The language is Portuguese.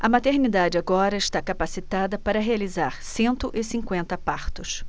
a maternidade agora está capacitada para realizar cento e cinquenta partos